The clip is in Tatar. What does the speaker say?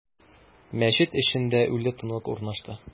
Мәчет эчендә үле тынлык урнашты.